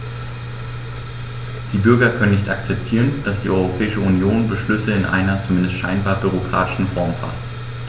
Die Bürger können nicht akzeptieren, dass die Europäische Union Beschlüsse in einer, zumindest scheinbar, bürokratischen Form faßt.